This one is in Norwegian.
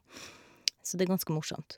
Så det er ganske morsomt.